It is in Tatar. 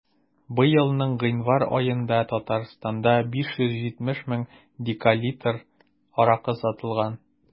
Быелның гыйнвар аенда Татарстанда 570 мең декалитр аракы сатылган.